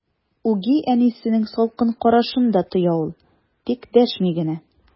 Үги әнисенең салкын карашын да тоя ул, тик дәшми генә.